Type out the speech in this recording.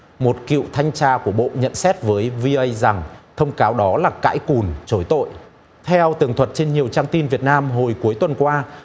một cựu thanh tra của bộ nhận xét với vi ây rằng thông cáo đó là cãi cùn chối tội theo tường thuật trên nhiều trang tin việt nam hồi cuối tuần qua